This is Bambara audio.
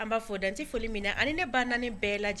An b'a fɔ dante foli min na ani ne ba naani bɛɛ lajɛ